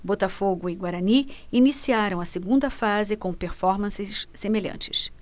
botafogo e guarani iniciaram a segunda fase com performances semelhantes